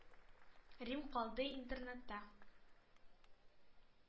Рим калды интернатта.